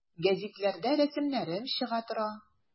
Гәзитләрдә рәсемнәрем чыга тора.